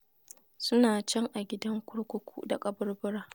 SUNA CAN: A GIDAN KURKUKU DA ƙABURBURA.